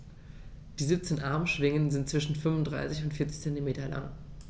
Die 17 Armschwingen sind zwischen 35 und 40 cm lang.